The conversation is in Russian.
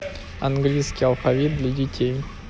английский алфавит для детей